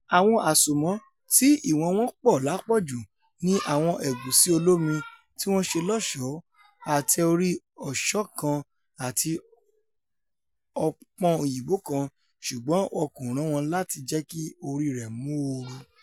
Àwọn àṣomọ tí ìwọ̀n wọn pọ̀ lápọ̀jù ní àwọn ẹ̀gúsí-olómi tíwọ́n ṣe lọ́ọ̀ṣọ́, ate-orí oṣó kan àti ọ̀pọ̀n-òyìnbó kan - ṣùgbọ́n wọn kò rán wọn láti jẹ́kí ori rẹ móooru.